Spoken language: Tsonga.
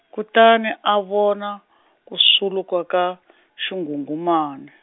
kutani a vona, ku swuluka ka, xinghunghumani.